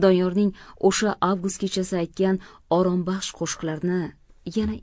doniyorning o'sha avgust kechasi aytgan orombaxsh qo'shiqlarini yana